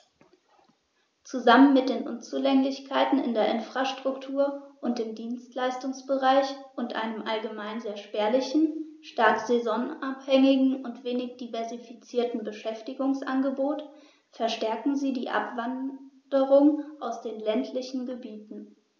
Zusammen mit den Unzulänglichkeiten in der Infrastruktur und im Dienstleistungsbereich und einem allgemein sehr spärlichen, stark saisonabhängigen und wenig diversifizierten Beschäftigungsangebot verstärken sie die Abwanderung aus den ländlichen Gebieten.